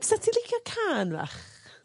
Fysa ti licio cân fach?